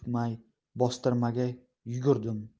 kutmay bostirmaga yugurdim